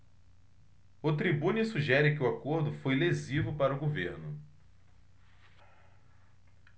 o tribune sugere que o acordo foi lesivo para o governo